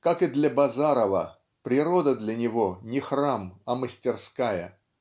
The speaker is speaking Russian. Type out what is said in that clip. как и для Базарова, природа для него не храм, а мастерская.